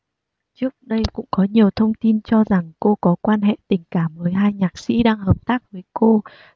trước đây cũng có nhiều thông tin cho rằng cô có quan hệ tình cảm với hai nhạc sĩ đang hợp tác với cô